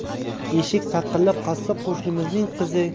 eshik taqillab qassob qo'shnimizning